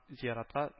Зиратка